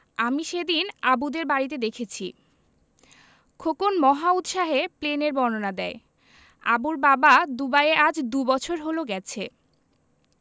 আমি সেদিন আবুদের বাড়িতে দেখেছি খোকন মহা উৎসাহে প্লেনের বর্ণনা দেয় আবুর বাবা দুবাইতে আজ দুবছর হলো গেছে